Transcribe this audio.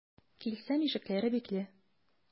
Килсәм, ишекләре бикле.